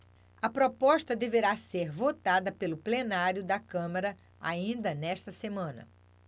a proposta deverá ser votada pelo plenário da câmara ainda nesta semana